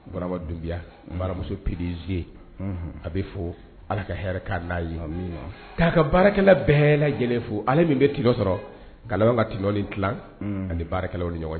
Burama Dumbuya, Baramuso PDG, unhun , a bɛ a fɔ k'a ka baarakɛla bɛɛɛ lajɛlen fo , allah ka hɛrɛ kɛ an'a a ye. Amina, Ale de bɛ tɔnɔ sɔrɔ ka laban k'a tilan ani baarakɛlaw ni ɲɔgɔnw cɛ.